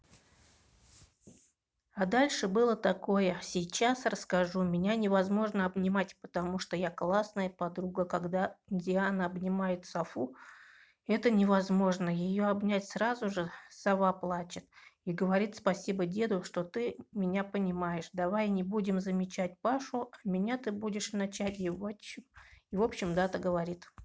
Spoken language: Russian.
а дальше было такое сейчас расскажу меня невозможно обнимать потому что я классная подруга когда диана обнимает софу это невозможно ее обнять сразу же сова плачет и говорит спасибо деду что ты меня понимаешь давай не будем замечать пашу а меня ты можешь начать и в общем дата говорит